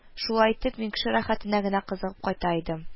Шулай итеп, мин кеше рәхәтенә генә кызыгып кайта идем